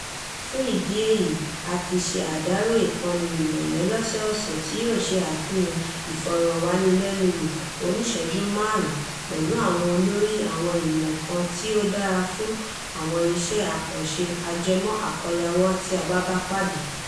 Fún ìdí èyí á ti ṣe àdàrọ ìkànnì ìròyìn ọlọ́sẹ̀ọ̀sẹ̀ tí yóò ṣe àfihàn ìfọ̀rọ̀wánilẹ́nuwò oní ìṣẹ́jú márùn-ún pẹ̀lú àwọn olórí àwọn ìmọ̀ kan tí ó dára fún àwọn iṣẹ́ àkànṣe ajẹmọ́ àkóyawọ́ tí a bá bá pàdé.